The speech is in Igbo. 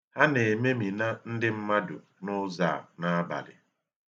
Ha na-ememina ndị mmadụ n'ụzọ a n'abali.